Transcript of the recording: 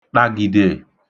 ṭàgìdè